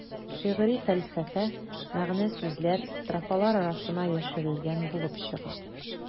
Шигъри фәлсәфә, мәгънә-сүзләр строфалар арасына яшерелгән булып чыга.